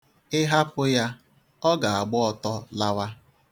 Ị hapụ ya, ọ ga-agba agba ọtọ lawa.